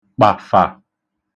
kpàfà